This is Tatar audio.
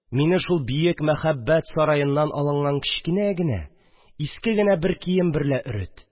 Мине шул биек мәхәббәт сараеннан алынган кечкенә генә, иске генә бер кием берлә өрет